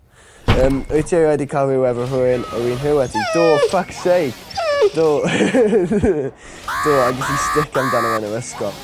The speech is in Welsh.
Yym wyt ti wedi ca'l ryw efo rhywun o'r un rhyw â ti. Do. Fuck's sake. Do do a ges i stick amdano fe yn yr ysgol.